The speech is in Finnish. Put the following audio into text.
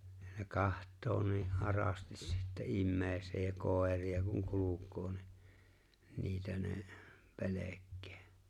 ne katsoo niin arasti sitten ihmiseen ja koiria kun kulkee niin niitä ne pelkää